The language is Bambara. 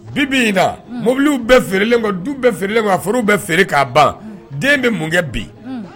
Bi bi in na mobile bɛ feerelen kɔ, du bɛ feerelen kɔ, forow bɛ feere ka ban, den bɛ mun kɛ, unhun.